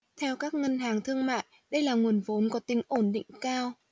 theo các ngân hàng thương mại đây là nguồn vốn có tính ổn định cao